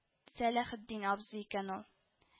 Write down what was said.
Сәләхетдин абзый икән ул